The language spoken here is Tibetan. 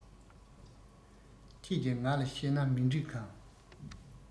ཁྱེད ཀྱི ང ལ གཤད ན མི གྲིག གམ